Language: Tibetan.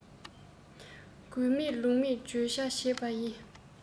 དགོས མེད ལུགས མེད བརྗོད བྱ བྱེད པ ཡི